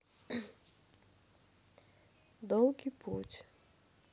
долгий путь